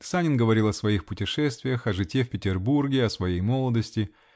Санин говорил о своих путешествиях, о житье в Петербурге о своей молодости.